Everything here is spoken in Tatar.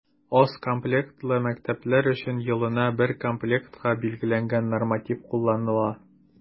Аз комплектлы мәктәпләр өчен елына бер комплектка билгеләнгән норматив кулланыла.